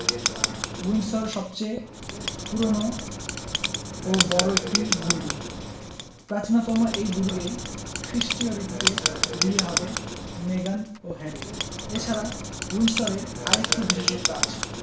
Windsor সবচেয়ে পুরোনো ও বড় একটি দুর্গ প্রাচীনতম এই দুর্গেই খ্রিষ্টীয় রীতিতে বিয়ে হবে মেগান ও হ্যারির এ ছাড়া উইন্ডসরের আরেকটি বিশেষত্ব আছে